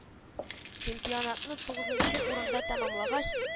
Чемпионатны тугызынчы урында тәмамлагач